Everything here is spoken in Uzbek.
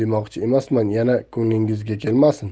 demoqchi emasman yana ko'nglingizga kelmasin